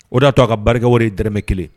O de y'a to a ka barikakɛ wɛrɛ ye dmɛ kelen